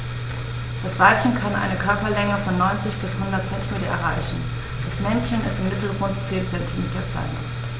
Das Weibchen kann eine Körperlänge von 90-100 cm erreichen; das Männchen ist im Mittel rund 10 cm kleiner.